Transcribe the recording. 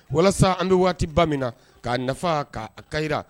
Walasa an bɛ waatiba min na k'a nafa k'a ka